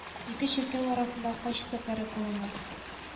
Ике чиркәү арасында хаҗ сәфәре кылына